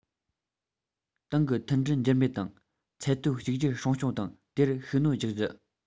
ཏང གི མཐུན སྒྲིལ འགྱུར མེད དང ཚད མཐོའི གཅིག གྱུར སྲུང སྐྱོང དང དེར ཤུགས སྣོན རྒྱག རྒྱུ